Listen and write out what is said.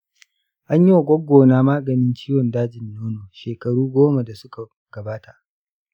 an yima gwaggona maganin ciwon dajin nono shekaru goma da su ka gabata